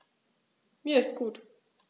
Mir ist gut.